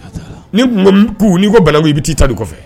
Ni n'i ko bala i bɛ t'i ta de kɔfɛ